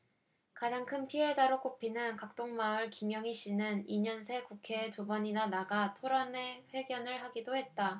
가장 큰 피해자로 꼽히는 각동마을 김영희씨는 이 년 새 국회에 두 번이나 나가 토론회 회견을 하기도 했다